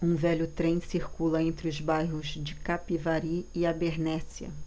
um velho trem circula entre os bairros de capivari e abernéssia